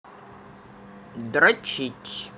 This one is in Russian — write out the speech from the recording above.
дрочить